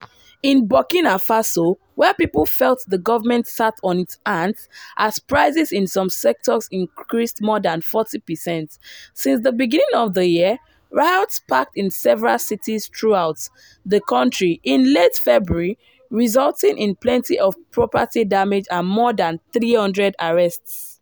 In Burkina Faso, where people felt the government sat on its hands as prices in some sectors increased more than 40% since the beginning of the year, riots sparked in several cities throughout the country in late February, resulting in plenty of property damage and more than 300 arrests.